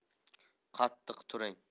qattiq turing